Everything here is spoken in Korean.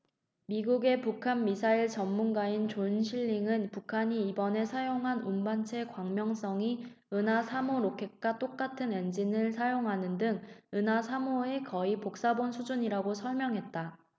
미국의 북한 미사일 전문가인 존 실링은 북한이 이번에 사용한 운반체 광명성이 은하 삼 호 로켓과 똑같은 엔진을 사용하는 등 은하 삼 호의 거의 복사본 수준이라고 설명했다